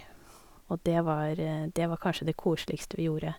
Og det var det var kanskje det koseligste vi gjorde.